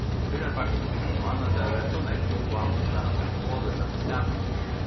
fyrrapartin ein mánadag var so nógv máað undan at holið datt saman